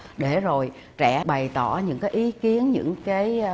để rồi trẻ bầy tỏ những cái ý kiến những cái a